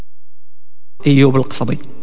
ايوب القصبي